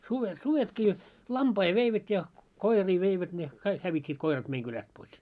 sudet sudetkin lampaita veivät ja koiria veivät ne kaikki hävittiin koirat meidän kylästä pois